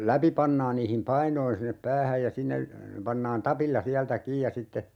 läpi pannaan niihin painoihin sinne päähän ja sinne pannaan tapilla sieltä kiinni ja sitten